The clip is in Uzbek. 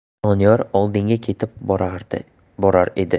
doniyor oldinda ketib borar edi